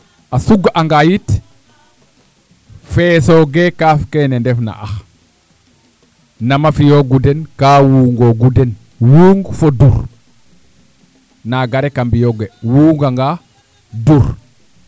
a suganga yit feesoogee kaaf keene ndefna ax nama fi'oogu den kaa wuungoogu den a suganga yit feesoge kaaf kene ndef na ax nama fi'oogu den kaa wungoogu den wuung fo dur naga rek a mbiyooge o wuuganga dur